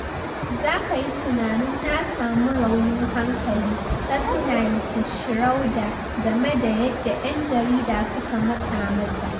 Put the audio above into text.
"Za ka yi tunanin na samu raunin hankali," ta tuna Ms. Schroeder game da yadda 'yan jarida suka matsa mata.